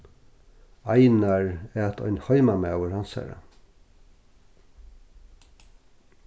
einar æt ein heimamaður hansara